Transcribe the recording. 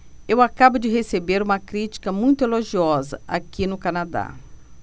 eu acabo de receber uma crítica muito elogiosa aqui no canadá